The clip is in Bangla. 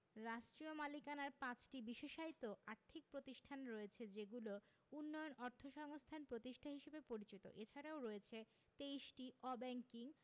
রাষ্ট্রীয় মালিকানার ৫টি বিশেষায়িত আর্থিক প্রতিষ্ঠান রয়েছে যেগুলো উন্নয়ন অর্থসংস্থান প্রতিষ্ঠান হিসেবে পরিচিত এছাড়াও রয়েছে ২৩টি অব্যাংকিং